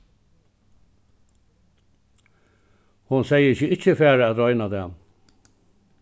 hon segði seg ikki fara at royna tað